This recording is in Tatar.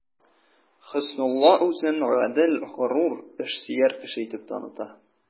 Хөснулла үзен гадел, горур, эшсөяр кеше итеп таныта.